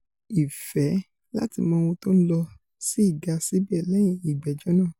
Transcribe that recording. Ìfẹ̀ láti mọ ohun tó ń lọ sì ga síbẹ̀ lẹ́yìn ìgbẹ́jọ́ náà.